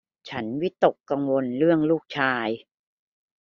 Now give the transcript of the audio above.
ฉันวิตกกังวลเรื่องลูกชาย